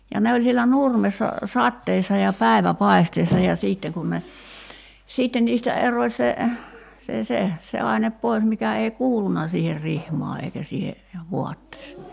ja ne oli siellä nurmessa sateessa ja päiväpaisteessa ja sitten kun ne sitten niistä erosi se se se se aine pois mikä ei kuulunut siihen rihmaan eikä siihen vaatteeseen